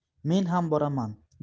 men ham boraman